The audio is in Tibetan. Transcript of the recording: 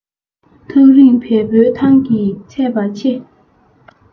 ཐག རིང བལ བོའི ཐང ནི ཚད པ ཆེ